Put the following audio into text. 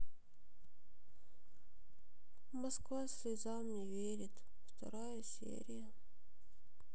москва слезам не верит вторая серия